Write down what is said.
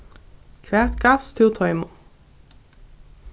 hvat gavst tú teimum